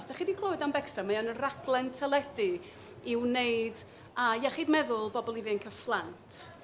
Os dach chi 'di clywed am Bextra, mae o'n raglen teledu i'w wneud â iechyd meddwl pobl ifanc a phlant.